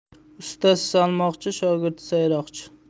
ustasi salmoqchi shogirdi sayroqchi